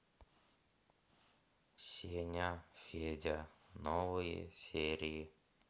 сеня федя новые серии